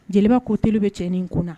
Jeliba ko teli bɛ cɛ ni kun na